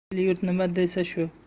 el yurt nima desa shu